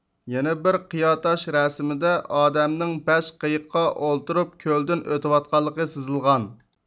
يەنە بىر قىياتاش رەسىمىدە ئادەمنىڭ بەش قېيىققا ئولتۇرۇپ كۆلدىن ئۆتۈۋاتقانلىقى سىزىلغان